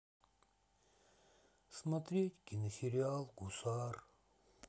смотреть киносериал гусар